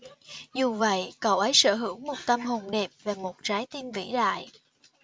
dù vậy cậu ấy sở hữu một tâm hồn đẹp và một trái tim vĩ đại